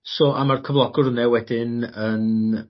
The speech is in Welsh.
So a ma'r cyflogwr ynne wedyn yn